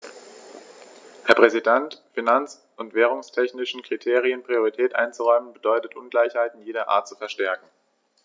Herr Präsident, finanz- und währungstechnischen Kriterien Priorität einzuräumen, bedeutet Ungleichheiten jeder Art zu verstärken.